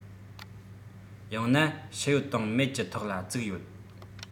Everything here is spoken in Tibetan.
ཡང ན ཤི ཡོད དང མེད ཀྱི ཐོག ལ བཙུགས ཡོད